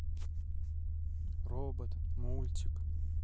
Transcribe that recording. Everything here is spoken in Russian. робот мультик